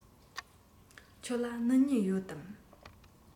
ཁྱོད ལ སྣུམ སྨྱུག ཡོད དམ